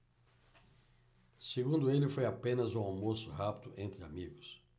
segundo ele foi apenas um almoço rápido entre amigos